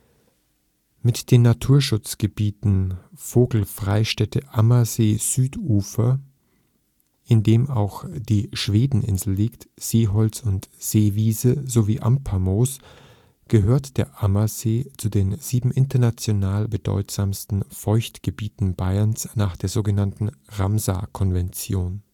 Mit den Naturschutzgebieten Vogelfreistätte Ammersee-Südufer (in dem auch die Schwedeninsel liegt), Seeholz und Seewiese sowie Ampermoos gehört der Ammersee zu den sieben international bedeutsamen Feuchtgebieten Bayerns nach der sogenannten Ramsar-Konvention